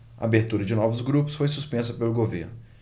a abertura de novos grupos foi suspensa pelo governo